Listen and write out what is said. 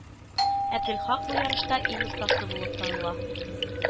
Әбделхак бу ярышта иң остасы булып таныла